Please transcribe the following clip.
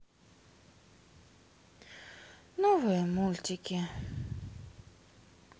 новые мультики